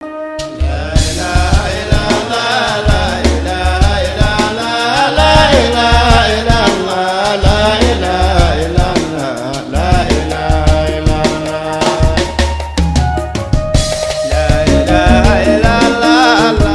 Lalalala